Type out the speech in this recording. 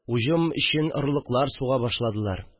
Уҗым өчен орлыклар суга башладылар